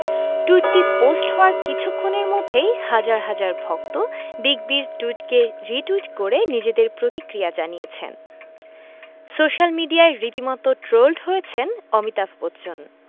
টুইটটি post হওয়ার কিছুক্ষণের মধ্যেই হাজার হাজার ভক্ত বিগ বির টুইটকে রিটুইট করে নিজেদের প্রতিক্রিয়া জানিয়েছেন সোশ্যাল মিডিয়ায় রীতিমতো ট্রোলড হয়েছেন অমিতাভ বচ্চন